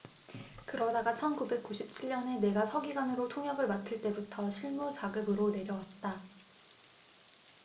그러다가 천 구백 구십 칠 년에 내가 서기관으로 통역을 맡을 때부터 실무자급으로 내려왔다